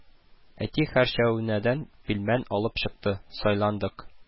Әти хәрчәүнәдән пилмән алып чыкты; сыйландык